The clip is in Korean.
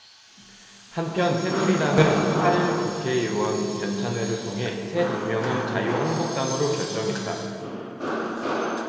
한편 새누리당은 팔 일 국회의원 연찬회를 통해 새 당명을 자유한국당으로 결정했다